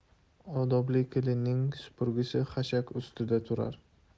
odobli kelinning supurgisi xashak ostida turar